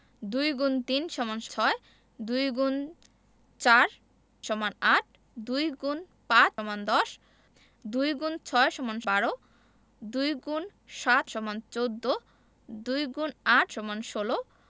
২ X ৩ = ৬ ২ X ৪ = ৮ ২ X ৫ = ১০ ২ X ৬ = ১২ ২ X ৭ = ১৪ ২ X ৮ = ১৬